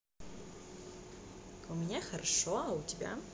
у меня хорошо а у тебя